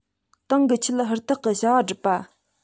ཏང གི ཆེད ཧུར ཐག གིས བྱ བ སྒྲུབ པ